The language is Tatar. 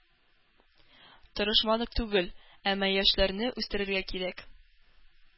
Тырышмадык түгел. Әмма яшьләрне үстерергә кирәк.